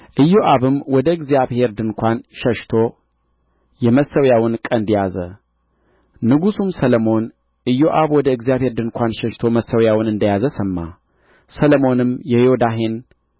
ኢዮአብ ወደ እግዚአብሔር ድንኳን ሸሽቶ መሠዊያውን እንደ ያዘ ሰማ ሰሎሞንም የዮዳሄን